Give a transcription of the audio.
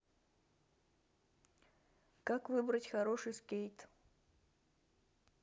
как выбрать хороший скейт